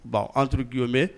bon entre guillemets